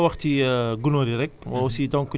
comme li nga wax ci gunóor yi rek